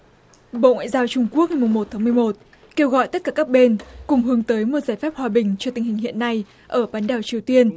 bộ ngoại giao trung quốc mùng một tháng mười một kêu gọi tất cả các bên cùng hướng tới một giải pháp hòa bình cho tình hình hiện nay ở bán đảo triều tiên